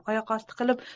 oyoqosti qilib